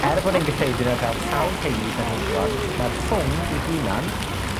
er bod e'n gyffredin ar draws sawl teulu planhigion, ma'r ffwng 'i hunan